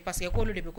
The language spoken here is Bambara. Paseke koolu de bɛ